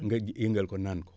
nga yëngal ko naan ko